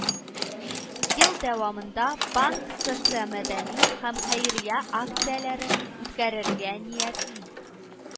Ел дәвамында банк социомәдәни һәм хәйрия акцияләре үткәрергә ниятли